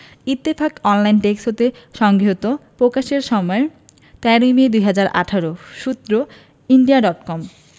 ইত্তেফাক এর online desk হতে সংগৃহীত প্রকাশের সময় ১৩ মে ২০১৮ সূত্র ইন্ডিয়া ডট কম